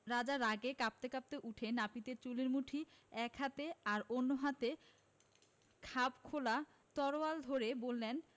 রাজা রাগে কাঁপতে কাঁপতে উঠে নাপিতের চুলের মুঠি এক হাতে আর অন্য হাতে খাপ খোলা তরোয়াল ধরে বললেন